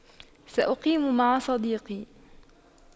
سأقيم مع صديقي